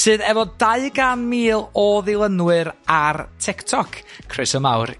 Sydd efo dau gan mil o ddilynwyr ar Tiktok croeso mawr